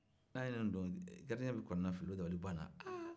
n'a ye ninnu don garidiyen bɛ kɔnɔnafili o dabali banna